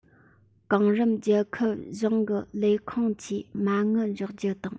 གོང རིམ རྒྱལ ཁབ གཞུང གི ལས ཁུངས ཀྱིས མ དངུལ འཇོག རྒྱུ དང